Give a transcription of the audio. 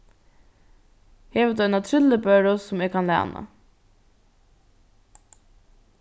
hevur tú eina trillubøru sum eg kann læna